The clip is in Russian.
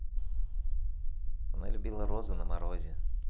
она любила розы на морозе